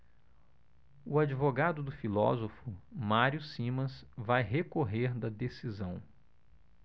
o advogado do filósofo mário simas vai recorrer da decisão